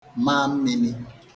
ma mmilī